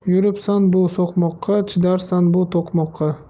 yuribsan bu so'qmoqqa chidarsan bu to'qmoqqa